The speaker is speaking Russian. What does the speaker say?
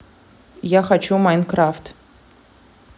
я хочу майнкрафт